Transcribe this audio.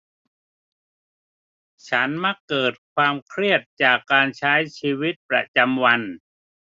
ฉันมักเกิดความเครียดจากการใช้ชีวิตประจำวัน